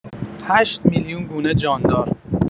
۸ میلیون گونه جاندار